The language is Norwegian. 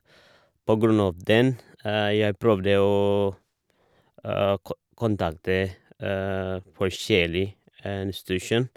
På grunn av den, jeg prøvde å å ko kontakte forskjellig institusjon.